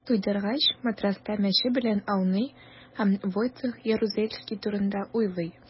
Туйдыргач, матраста мәче белән ауный һәм Войцех Ярузельский турында уйлый.